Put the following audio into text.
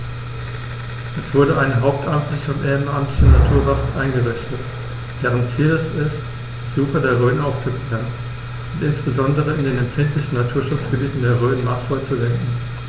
Es wurde eine hauptamtliche und ehrenamtliche Naturwacht eingerichtet, deren Ziel es ist, Besucher der Rhön aufzuklären und insbesondere in den empfindlichen Naturschutzgebieten der Rhön maßvoll zu lenken.